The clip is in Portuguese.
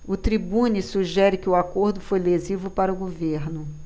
o tribune sugere que o acordo foi lesivo para o governo